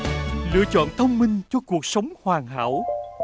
lựa chọn thông minh cho cuộc sống hoàn hảo